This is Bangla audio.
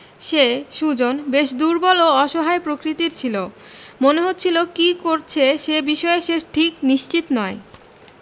সে সুজন বেশ দুর্বল ও অসহায় প্রকৃতির ছিল মনে হচ্ছিল কী করছে সেই বিষয়ে সে ঠিক নিশ্চিত নয়